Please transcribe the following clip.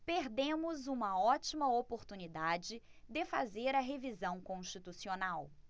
perdemos uma ótima oportunidade de fazer a revisão constitucional